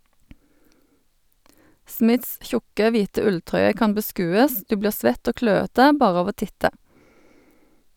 Smiths tjukke, hvite ulltrøye kan beskues, du blir svett og kløete bare av å titte.